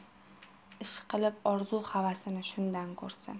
ishqilib orzu havasini shundan ko'rsin